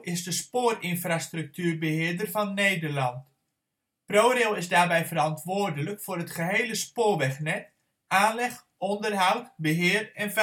de spoorinfrastructuurbeheerder van Nederland. ProRail is daarbij verantwoordelijk voor het gehele spoorwegnet: aanleg, onderhoud, beheer en